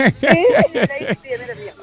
i layan ne